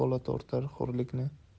bola tortar xo'rlikni